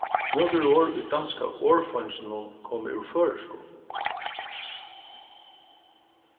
nøkur orð í danska orðfeinginum koma úr føroyskum